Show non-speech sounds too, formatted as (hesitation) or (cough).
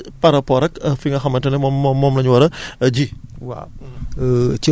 (hesitation) naka la ñuy tànnee (hesitation) par rapport ak fi nga xamante ne moom moom moom la ñu war a ji